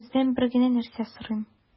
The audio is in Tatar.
Сездән бер генә нәрсә сорыйм: